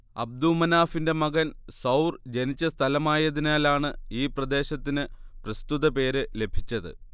അബ്ദുമനാഫിന്റെ മകൻ സൌർ ജനിച്ച സ്ഥലമായതിനാലാണ് ഈ പ്രദേശത്തിന് പ്രസ്തുത പേര് ലഭിച്ചത്